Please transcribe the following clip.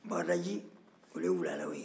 bagadaji olu ye wulalɛw ye